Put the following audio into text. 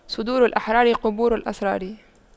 صدور الأحرار قبور الأسرار